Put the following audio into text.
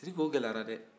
sidiki o gɛlɛyara dɛ